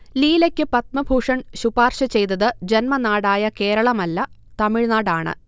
ലീലയ്ക്ക് പദ്മഭൂഷൺ ശുപാർശ ചെയ്തത് ജന്മനാടായ കേരളമല്ല, തമിഴ്നാടാണ്